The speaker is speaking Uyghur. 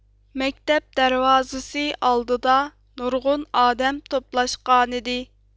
مەكتەپ دەرۋازىسى ئالدىدا نۇرغۇن ئادەم توپلاشقانىدى